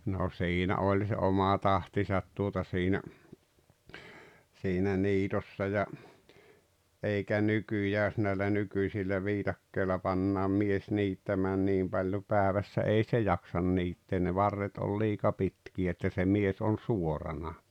no siinä oli se oma tahtinsa tuota siinä siinä niitossa ja eikä nykyään jos näillä nykyisillä viikatteilla pannaan mies niittämään niin paljon päivässä ei se jaksa niittää ne varret on liika pitkiä että mies on suorana